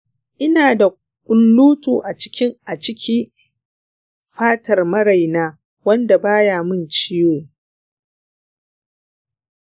ina da ƙullutu aciki fatar maraina wanda ba ya min ciwo.